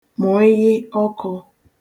mụ̀ịyị ọkụ